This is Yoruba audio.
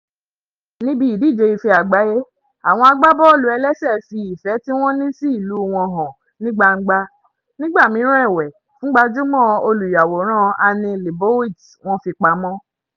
Níbi ìdíje Ife Àgbáyé, àwọn agbábọ́ọ̀lù ẹlẹ́sẹ̀ fi ìfẹ́ tí wọ́n ní sí ìlú wọn hàn ní gbangba nígbà mìíràn ẹ̀wẹ́, fún gbajúmọ̀ olùyàwòrán Annie Leibowitz, wọ́n fi pamọ́ .